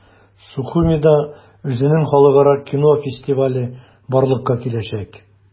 Сухумида үзенең халыкара кино фестивале барлыкка киләчәк.